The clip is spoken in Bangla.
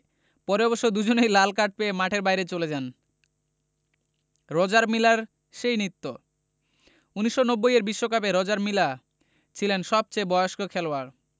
পরে অবশ্য দুজনই লাল কার্ড পেয়ে মাঠের বাইরে চলে যান রজার মিলার সেই নৃত্য ১৯৯০ এর বিশ্বকাপে রজার মিলা ছিলেন সবচেয়ে বয়স্ক খেলোয়াড়